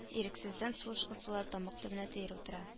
Ирексездән сулыш кысыла тамак төбенә төер утыра